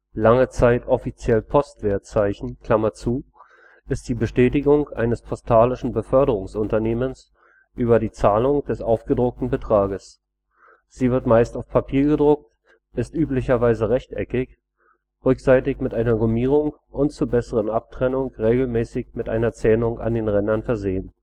lange Zeit offiziell Postwertzeichen) ist die Bestätigung eines postalischen Beförderungsunternehmens über die Zahlung des aufgedruckten Betrages. Sie wird meist auf Papier gedruckt, ist üblicherweise rechteckig, rückseitig mit einer Gummierung und zur besseren Abtrennung regelmäßig mit einer Zähnung an den Rändern versehen